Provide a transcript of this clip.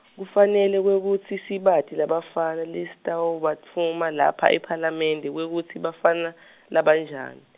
kufanele kwekutsi sibati labafana lesitawubatfuma lapha ephalamende, kwekutsi bafana , labanjani.